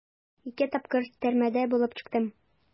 Ике тапкыр төрмәдә булып чыктым.